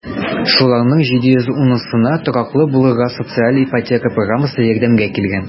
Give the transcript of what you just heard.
Шуларның 710-сына тораклы булырга социаль ипотека программасы ярдәмгә килгән.